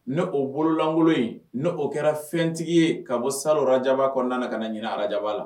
Ne' bololankolon in n o kɛra fɛntigi ye ka bɔ sa o jaba kɔnɔna ka na ɲin ara jaba la